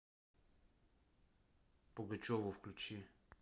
пугачеву включи